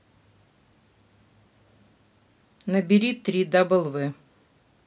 набери www